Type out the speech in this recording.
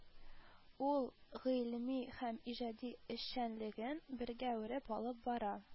Ул гыйльми һәм иҗади эшчәнлеген бергә үреп алып бара